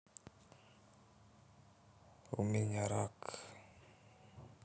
у меня рак